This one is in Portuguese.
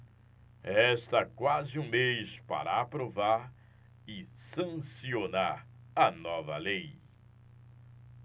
resta quase um mês para aprovar e sancionar a nova lei